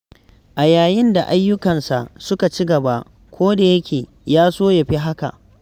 A yayin da ayyukansa suka ci gaba, kodayake ya so ya fi haka.